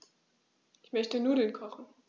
Ich möchte Nudeln kochen.